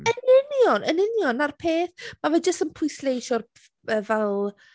Yn union yn union. 'Na'r peth. Ma' fe jyst yn pwysleisio f- y fel...